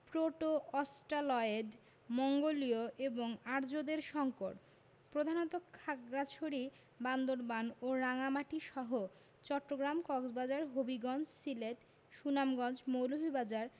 proto Australoid মঙ্গোলীয় এবং আর্যদের সংকর প্রধানত খাগড়াছড়ি বান্দরবান ও রাঙ্গামাটিসহ চট্টগ্রাম কক্সবাজার হবিগঞ্জ সিলেট সুনামগঞ্জ মৌলভীবাজার